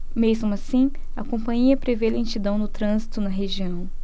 mesmo assim a companhia prevê lentidão no trânsito na região